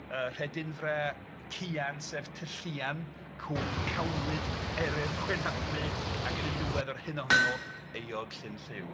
Yy rhedyn fre cuan sef tylluan Cwm Cawlyd Eryr Gwyn ap Wŷ ac yn y diwedd o'r hyn onyn nw Euog Llyn Lliw.